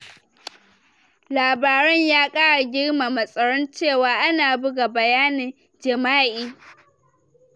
Labaren ya kara girmama tsoron cewa ana buga bayanan jima'i.